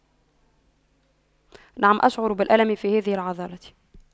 نعم أشعر بالألم في هذه العضلة